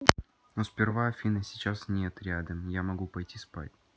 но сперва афина сейчас нет рядом я могу пойти спать